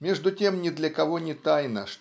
Между тем ни для кого не тайна